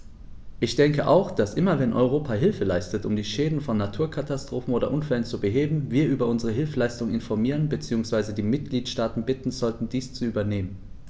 Ich denke auch, dass immer wenn Europa Hilfe leistet, um die Schäden von Naturkatastrophen oder Unfällen zu beheben, wir über unsere Hilfsleistungen informieren bzw. die Mitgliedstaaten bitten sollten, dies zu übernehmen.